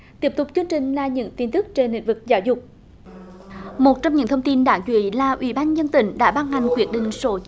tiếp tục chương trình là những tin tức trên lĩnh vực giáo dục một trong những thông tin đáng chú ý là ủy ban nhân dân tỉnh đã ban hành quyết định số